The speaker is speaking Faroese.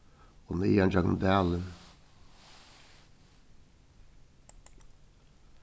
og niðan gjøgnum dalin